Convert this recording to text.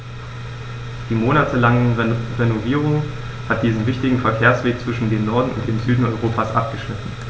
Die monatelange Renovierung hat diesen wichtigen Verkehrsweg zwischen dem Norden und dem Süden Europas abgeschnitten.